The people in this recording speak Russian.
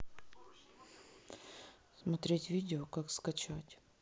смотреть видео как скачать